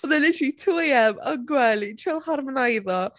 Oedd e literally two am yn gwely, trial harmoneiddio.